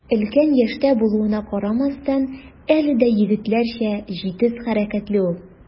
Өлкән яшьтә булуына карамастан, әле дә егетләрчә җитез хәрәкәтле ул.